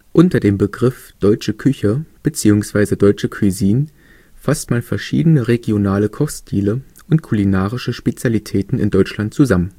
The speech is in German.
Unter dem Begriff deutsche Küche bzw. deutsche Cuisine fasst man verschiedene regionale Kochstile und kulinarische Spezialitäten in Deutschland zusammen